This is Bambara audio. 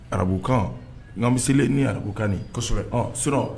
Arabukan n' mieli ni arabukan ninsɛbɛ so